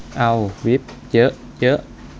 เอาวิปเยอะเยอะ